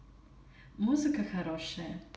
музыка хорошая